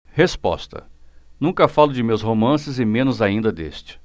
resposta nunca falo de meus romances e menos ainda deste